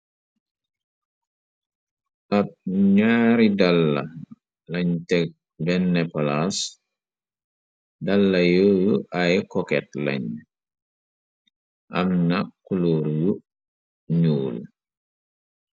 Ab ñaari dalla, lañ te vennepolos, dallayu yu ay coket lañ, am na culuur yu ñuulu.